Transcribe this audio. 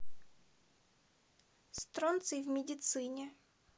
стронций в медицине